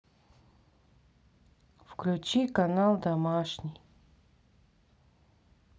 включи канал домашний